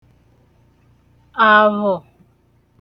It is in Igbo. àvhọ̀